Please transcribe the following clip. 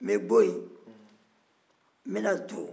n bɛ bɔ yen n bɛ na to